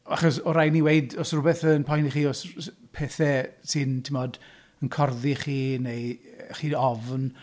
Achos oedd rhaid ni weud, os oedd rhywbeth yn poeni chi, os s- pethau sy'n, timod yn corddi i chi, neu chi'n ofn.